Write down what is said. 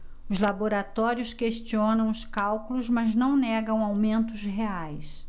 os laboratórios questionam os cálculos mas não negam aumentos reais